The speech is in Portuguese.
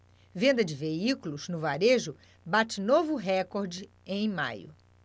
venda de veículos no varejo bate novo recorde em maio